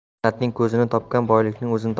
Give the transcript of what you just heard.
mehnatning ko'zini topgan boylikning o'zini topar